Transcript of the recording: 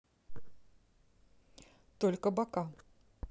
только бока